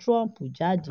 Trump jade.